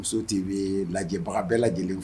Muso TV lajɛbaga bɛɛ lajɛlen